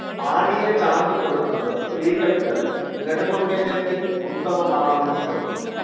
ആടിയ ചാന്ത് തൊടുന്നത് സ്ത്രീകൾക്ക് നെടുമംഗല്യത്തിൻ ഉത്തമമാണെന്ന് കരുതുന്നു